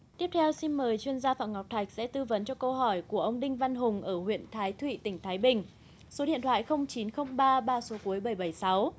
tiếp theo xin mời chuyên gia phạm ngọc thạch sẽ tư vấn cho câu hỏi của ông đinh văn hùng ở huyện thái thụy tỉnh thái bình số điện thoại không chín không ba ba số cuối bảy bảy sáu